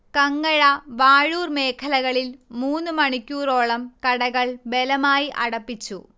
കങ്ങഴ, വാഴൂർ മേഖലകളിൽ മൂന്നു മണിക്കൂറോളം കടകൾ ബലമായി അടപ്പിച്ചു